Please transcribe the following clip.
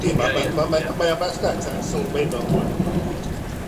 sdi a ma' ma' mae mae o'n fas data sylweddol rwa- rŵan 'de wsti.